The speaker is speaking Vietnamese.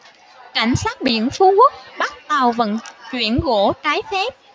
cảnh sát biển phú quốc bắt tàu vận chuyển gỗ trái phép